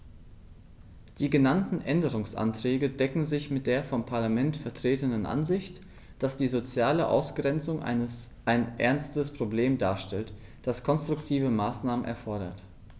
Die genannten Änderungsanträge decken sich mit der vom Parlament vertretenen Ansicht, dass die soziale Ausgrenzung ein ernstes Problem darstellt, das konstruktive Maßnahmen erfordert.